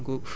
waaw